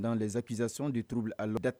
Dan z kizsasi de turu bɛ a la da